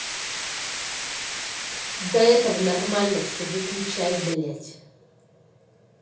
до этого нормально все выключай блядь